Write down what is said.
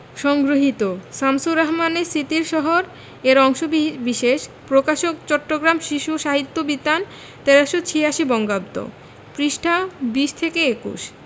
সংগ্রহীত শামসুর রাহমানের স্মৃতির শহর এর অংশবিশেষ প্রকাশকঃ চট্টগ্রাম শিশু সাহিত্য বিতান ১৩৮৬ বঙ্গাব্দ পৃষ্ঠাঃ ২০ থেকে ২১